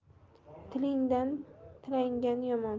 tilingandan tilangan yomon